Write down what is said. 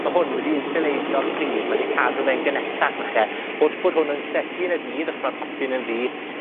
ma' hwn wedi insiwleiddio'r pridd ma' 'di cadw fe'n gynesach fache, wrth bod hwn yn cnesu yn y dydd achos ma'r potyn yn ddu,